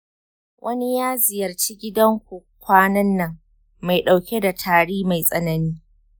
wani ya ziyarci gidanku kwanan nan mai ɗauke da tari mai tsanani?